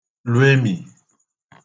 lwemi